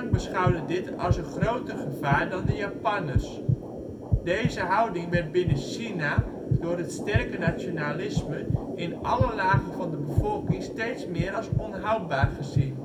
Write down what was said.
beschouwde dit als een groter gevaar dan de Japanners. Deze houding werd binnen China door het sterke nationalisme in alle lagen van de bevolking steeds meer als onhoudbaar gezien